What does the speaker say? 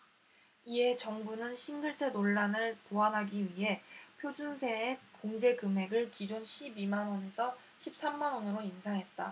이에 정부는 싱글세 논란을 보완하기 위해 표준세액 공제금액을 기존 십 이 만원에서 십 삼 만원으로 인상했다